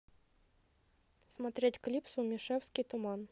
смотреть клип сумишевский туман